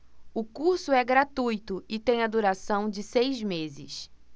o curso é gratuito e tem a duração de seis meses